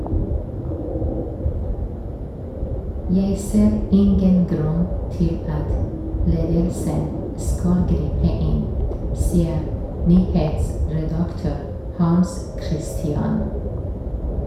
- Jeg ser ingen grunn til at ledelsen skal gripe inn, sier nyhetsredaktør Hans-Christian.